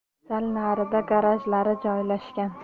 sal narida garajlari joylashgan